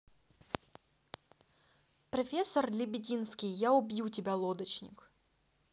профессор лебединский я убью тебя лодочник